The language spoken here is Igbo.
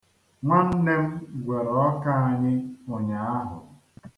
Nwanne m gwere ọka anyị ụnyaahụ.